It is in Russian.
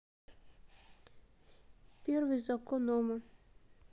первый закон ома